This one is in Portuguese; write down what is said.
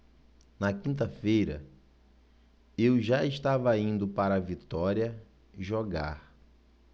na quinta-feira eu já estava indo para vitória jogar